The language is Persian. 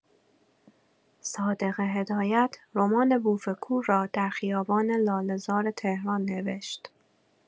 صادق هدایت رمان بوف کور را در خیابان لاله‌زار تهران نوشت.